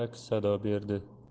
aks sado berdi